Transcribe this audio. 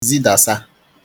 zidàsa